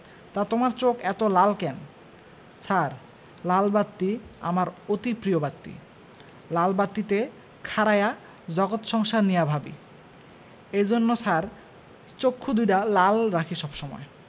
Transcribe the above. তা তোমার চোখ এত লাল কেন ছার লাল বাত্তি আমার অতি প্রিয় বাত্তি লাল বাত্তি তে খাড়ায়া জগৎ সংসার নিয়া ভাবি এইজন্য ছার চোক্ষু দুইডা লাল রাখি সব সময়